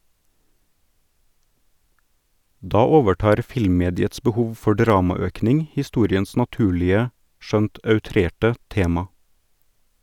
Da overtar filmmediets behov for dramaøkning historiens naturlige - skjønt outrerte - tema.